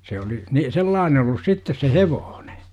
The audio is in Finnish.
se oli niin sellainen ollut sitten se hevonen